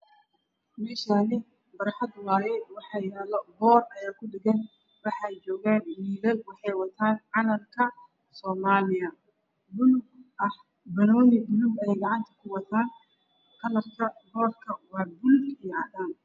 me Shani bar xad waye waxa yalo boor aya ku dhe Gan waxa jogan wiilal waxey watan Calan ka soomaliya bulug ah ba no ni buluga ayey ga can ta ku wa tan kalar ka boor ka wa bulug iya cadan